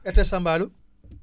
RTS Tamba allo